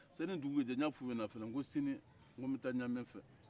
sani dugu ka jɛ n y'a f'o ɲɛnɛ ko sini an bɛ taa ɲame fɛ